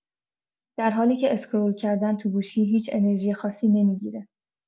در حالی که اسکرول کردن تو گوشی، هیچ انرژی خاصی نمی‌گیره.